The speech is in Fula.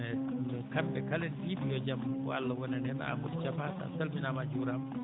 e kamɓe kala mi wiiɓe yo jam Allah wonan en Amadou Thiapato a salminaama a juuraama